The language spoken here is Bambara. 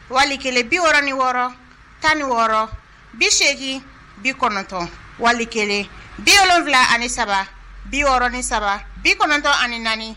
Wali kelen bi wɔɔrɔ ni wɔɔrɔ tan ni wɔɔrɔ bi segin bi kɔnɔntɔn wali kelen bi wolonwula ani saba bi wɔɔrɔn ni saba bi kɔnɔntɔn ani naani